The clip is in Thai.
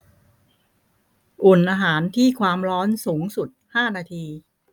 อุ่นอาหารที่ความร้อนสูงสุดห้านาที